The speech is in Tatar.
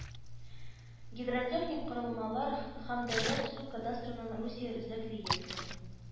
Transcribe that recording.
Гидротехник Корылмалар һә һәм дәүләт су кадастрының Русия Үзәк реестры